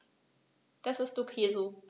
Das ist ok so.